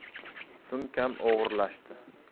sumkam o'g'irlashdi